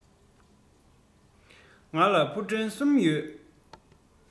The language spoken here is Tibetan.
ང ལ ཕུ འདྲེན གསུམ ཡོད